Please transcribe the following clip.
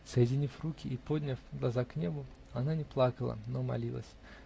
Соединив руки и подняв глаза к небу, она не плакала, но молилась.